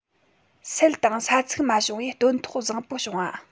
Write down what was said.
སད དང ས ཚིག མ བྱུང བས སྟོན ཐོག བཟང པོ བྱུང བ